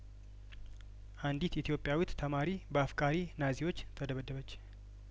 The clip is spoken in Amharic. አንዲት ኢትዮጵያዊት ተማሪ በአፍቃሪ ናዚዎች ተደበደበች